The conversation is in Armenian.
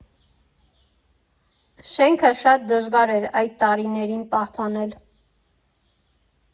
Շենքը շատ դժվար էր այդ տարիներին պահպանել։